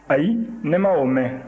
ayi ne ma o mɛn